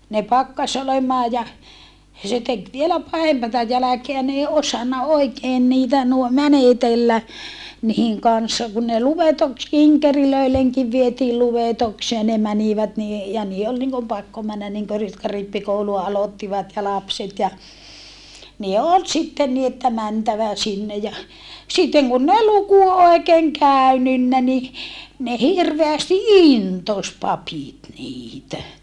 ne pakkasi olemaan ja se teki vielä pahempaa jälkeä ne ei osannut oikein niitä nuo menetellä niiden kanssa kun ne - kinkereillekin vietiin luetukseen ne menivät niin - ja niiden oli niin kuin pakko mennä niin kuin - jotka rippikoulua aloittivat ja lapset ja ne oli sitten niin että mentävä sinne ja sitten kun ei luku oikein käynyt niin ne hirveästi intosi papit niitä